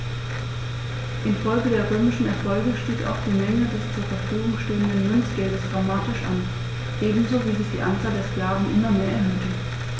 Infolge der römischen Erfolge stieg auch die Menge des zur Verfügung stehenden Münzgeldes dramatisch an, ebenso wie sich die Anzahl der Sklaven immer mehr erhöhte.